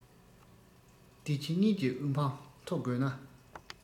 འདི ཕྱི གཉིས ཀྱི དབུ འཕངས མཐོ དགོས ན